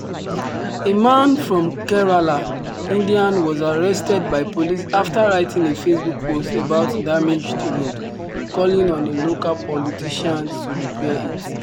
A man from Kerala, India was arrested by police after writing a Facebook post about a damaged road, calling on a local politician to repair it.